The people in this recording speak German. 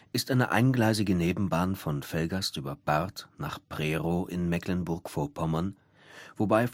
ist eine eingleisige Nebenbahn von Velgast über Barth nach Prerow in Mecklenburg-Vorpommern, wobei